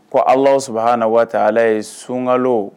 Ko ala sɔrɔ ha na waati ala ye sunkalo